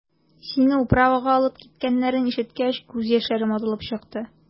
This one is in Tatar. Сине «управа»га алып киткәннәрен ишеткәч, күз яшьләрем атылып чыкты.